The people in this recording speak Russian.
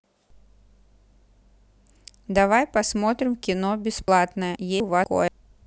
давай посмотрим кино бесплатное есть ли у вас такое